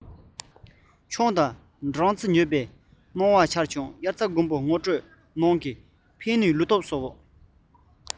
ཆང དང སྦྲང རྩིས མྱོས པའི སྣང བ འཆར བྱུང དབྱར རྩྭ དགུན འབུ ངོ སྤྲོད ནང གི ཕན ནུས ལུས སྟོབས གསོ